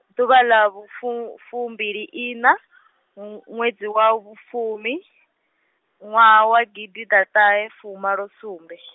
ḓuvha ḽa vhu fu- fumbiliiṋa , nw- ṅwedzi wa vhu fumi, ṅwaha wa gidiḓaṱahefumalosumbe.